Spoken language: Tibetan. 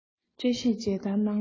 བཀྲ ཤིས མཇལ དར གནང བྱུང